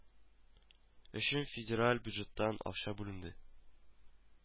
Өчен федераль бюджеттан акча бүленде